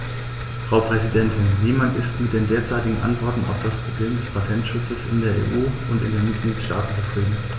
Frau Präsidentin, niemand ist mit den derzeitigen Antworten auf das Problem des Patentschutzes in der EU und in den Mitgliedstaaten zufrieden.